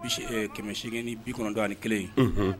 Kɛmɛ seegin ni bi kɔnɔntɔn ani kelen, unhun